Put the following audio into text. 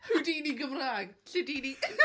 Houdini Gymraeg, Lledyni.